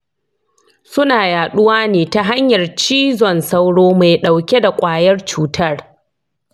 suna yaɗuwa ne ta hanyar cizon sauro mai ɗauke da ƙwayar cutar.